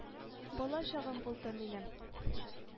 Бала чагым булды минем